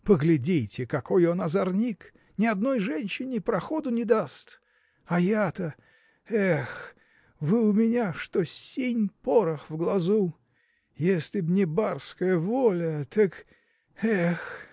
Поглядите, какой он озорник: ни одной женщине проходу не даст. А я-то! э-эх! Вы у меня, что синь-порох в глазу! Если б не барская воля, так. эх!.